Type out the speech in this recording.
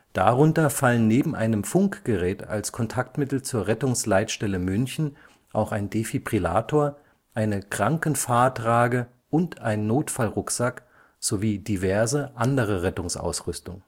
Darunter fallen neben einem Funkgerät als Kontaktmittel zur Rettungsleitstelle München auch ein Defibrillator, eine Krankenfahrtrage und ein Notfallrucksack, sowie diverse andere Rettungsausrüstung